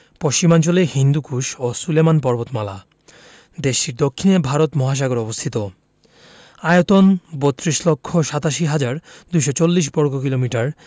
পশ্চিমাঞ্চলে হিন্দুকুশ ও সুলেমান পর্বতমালা দেশটির দক্ষিণে ভারত মহাসাগর অবস্থিত আয়তন ৩২ লক্ষ ৮৭ হাজার ২৪০ বর্গ কিমি